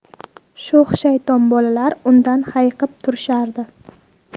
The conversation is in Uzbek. sho'x shayton bolalar undan hayiqib turishardi